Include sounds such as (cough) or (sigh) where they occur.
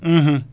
(hesitation) (hesitation)